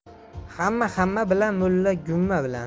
hamma hamma bilan mulla g'umma bilan